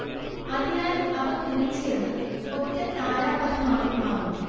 അതിനാൽ അവ കൂടിച്ചേർന്ന് ഒറ്റ താരാപഥമായി മാറുന്നു